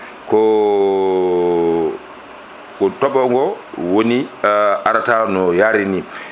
ko ko tooɓo ngo woni a arata no yaarini